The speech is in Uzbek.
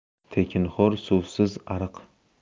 tekinxo'r suvsiz ariq